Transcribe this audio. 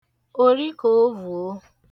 òrikovuò